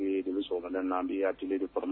De bɛ n'an bɛ' hakili de kɔnɔ